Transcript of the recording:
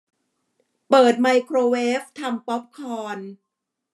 เปิดไมโครเวฟทำป๊อปคอร์น